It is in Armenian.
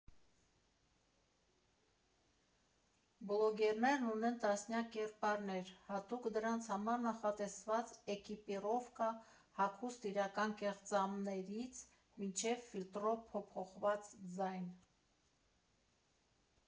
Բլոգերներն ունեն տասնյակ կերպարներ, հատուկ դրանց համար նախատեսված էկիպիրովկա հագուստ՝ իրական կեղծամներից մինչև ֆիլտրով փոփոխված ձայն։